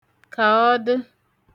kaọdə